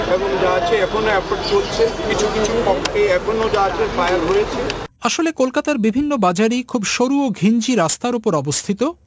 এবং যা আছে এখনো এফোর্ট চলছে কিছু কিছু এখনো যা আছে কাজ হয়েছে আসলে কলকাতার বিভিন্ন বাজারই খুব সরু ও ঘিঞ্জি রাস্তার উপর অবস্থিত